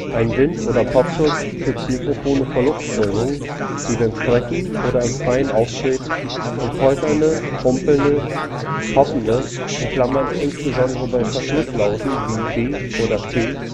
Ein Wind - oder Popschutz schützt Mikrofone vor Luftströmungen, die beim Sprechen oder im Freien auftreten und polternde, rumpelnde, „ poppende “(insbesondere bei Verschlusslauten wie „ B “oder „ P